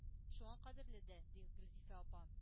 Шуңа кадерле дә!” – ди Гөлзифа апа.